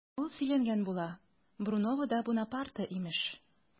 Ә ул сөйләнгән була, Бруновода Бунапарте имеш!